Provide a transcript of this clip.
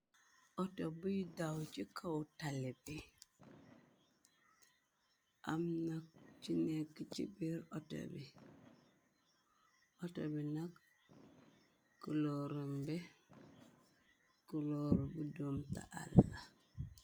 Auto bu daw ci kaw talibi, am na ci nekk ci biir auto bi , auto bi nak ku lorëmbe ku looru bu doom ta àlla.